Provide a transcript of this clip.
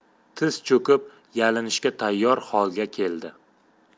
tiz cho'kib yalinishga tayyor holga keldi